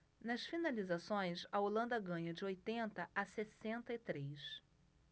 nas finalizações a holanda ganha de oitenta a sessenta e três